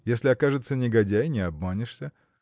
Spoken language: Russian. если окажется негодяй – не обманешься